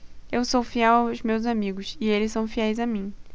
eu sou fiel aos meus amigos e eles são fiéis a mim